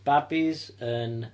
Babis yn...